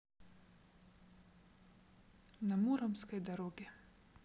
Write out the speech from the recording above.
на муромской дороге